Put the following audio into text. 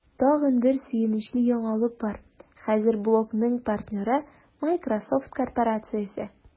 Тагын бер сөенечле яңалык бар: хәзер блогның партнеры – Miсrosoft корпорациясе!